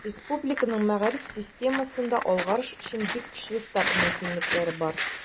Республиканың мәгариф системасында алгарыш өчен бик көчле старт мөмкинлекләре бар.